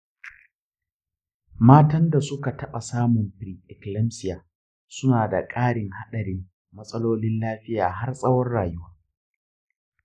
matan da suka taɓa samun pre-eclampsia suna da ƙarin haɗarin matsalolin lafiya har tsawon rayuwa.